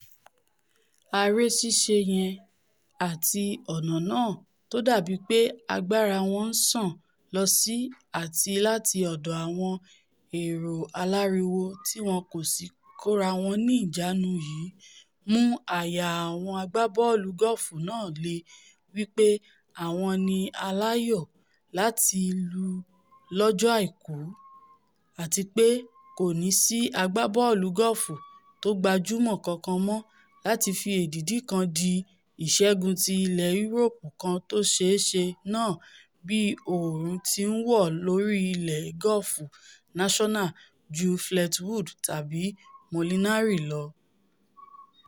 Aré sísá yẹn, àti ọ̀nà náà tódàbí pé agbára wọn ńsàn lọ́sì àti láti ọ̀dọ̀ àwọn èrò aláriwo tíwọn kòsì kórawọn níìjánu yìí ńmú àyà àwọn agbábọ́ọ̀lù gọ́ọ̀fù náà le wí pé àwọn ni aláyò láti lù lọ́jọ́ Àìkú, àtipé kòní sí agbábọ́ọ̀lù gọ́ọ̀fù tó gbajúmọ kankan mọ́ láti fi èdìdì kan di ìsẹ́gun ti ilẹ Yuroopu kan tóṣeé ṣe náà bí òòrùn ti ńwọ̀ lórí Le Golf National ju Fleetwood tàbí Molinari lọ.